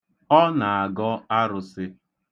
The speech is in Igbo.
Ọ ga-agọ arụsị.